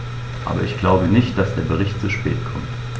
Aber ich glaube nicht, dass der Bericht zu spät kommt.